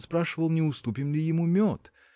он спрашивал, не уступим ли ему мед